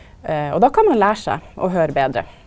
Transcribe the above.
og då kan ein læra seg å høyra betre.